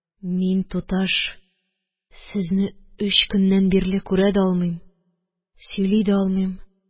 Мин, туташ, сезне өч көннән бирле күрә дә алмыйм, сөйли дә алмыйм...